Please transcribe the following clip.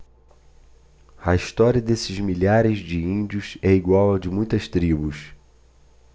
a história desses milhares de índios é igual à de muitas tribos